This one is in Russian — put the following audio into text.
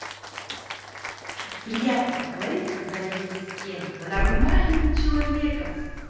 приятно поговорить когда есть с кем нам нормальным человеком